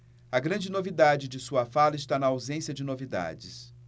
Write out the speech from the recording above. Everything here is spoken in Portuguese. a grande novidade de sua fala está na ausência de novidades